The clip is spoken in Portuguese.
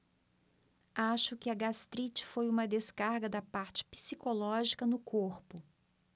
acho que a gastrite foi uma descarga da parte psicológica no corpo